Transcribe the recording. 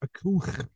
Ar cwch?